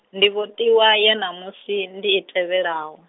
ndivhotiwa ya ṋamusi ndi i tevhelaho.